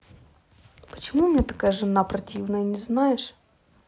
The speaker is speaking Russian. почему у меня такая жена противная не знаешь